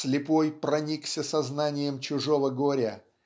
слепой проникся сознанием чужого горя